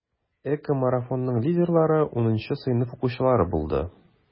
ЭКОмарафонның лидерлары 10 сыйныф укучылары булды.